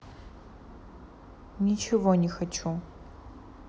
ничего не хочу